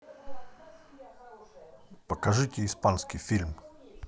покажите испанский фильм